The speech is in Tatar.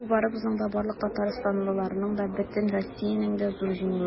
Бу барыбызның да, барлык татарстанлыларның да, бөтен Россиянең дә зур җиңүе.